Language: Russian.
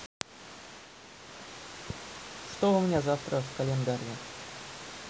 что у меня завтра в календаре